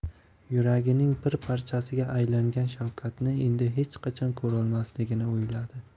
yuragining bir parchasiga aylangan shavkatni endi hech qachon ko'rolmasligini o'yladi